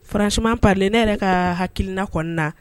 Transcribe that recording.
Fararansi pale ne yɛrɛ ka hakilikiina kɔnɔnana